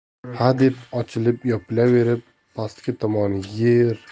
hadeb ochilib yopilaverib pastki tomoni yer